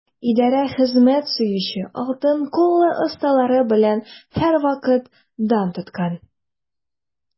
Идарә хезмәт сөюче, алтын куллы осталары белән һәрвакыт дан тоткан.